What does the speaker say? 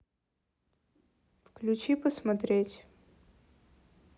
включи посмотреть